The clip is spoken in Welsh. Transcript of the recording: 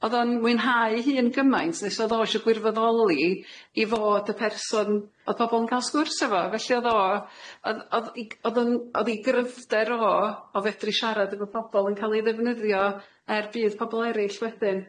odd o'n mwynhau hun gymaint nes o'dd o isho gwirfyddoli i fod y person o'dd pobol yn ca'l sgwrs efo felly o'dd o o'dd o'dd i g- o'dd o'n o'dd i gryfder o o fedru sharad efo pobol yn ca'l i ddefnyddio er budd pobol eryll wedyn.